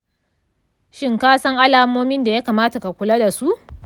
shin ka san alamomin da ya kamata a kula da su?